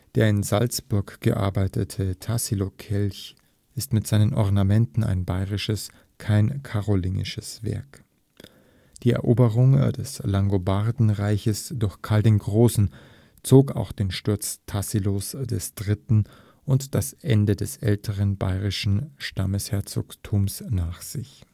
Der in Salzburg gearbeitete Tassilokelch ist mit seinen Ornamenten ein bayerisches, kein karolingisches Werk. Die Eroberung des Langobardenreiches durch Karl den Großen zog auch den Sturz Tassilos III. und das Ende des älteren baierischen Stammesherzogtums nach sich